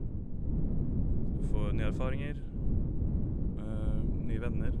Du får nye erfaringer, nye venner.